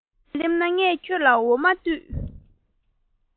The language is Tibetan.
ཁྱིམ ལ སླེབས ན ངས ཁྱོད ལ འོ མ ལྡུད